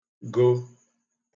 -go